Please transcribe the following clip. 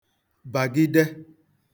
bàgide